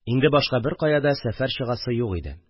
Инде башка беркая да сәфәр чыгасы юк иде.